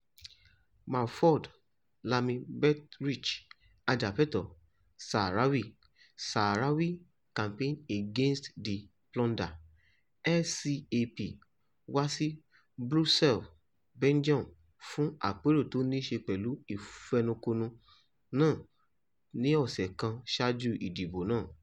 Mahfoud Lamin Bechri, ajàfẹ́tọ̀ọ́ Sahrawi, Sahrawi Campaign Against the Plunder (SCAP), wá sí Brussels, Belgium fún àpérò tó nii ṣe pẹ̀lú ìfẹnukonu náà ni ọ̀sẹ̀ kan ṣáájú ìdìbò náà.